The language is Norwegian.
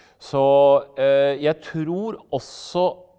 så jeg tror også.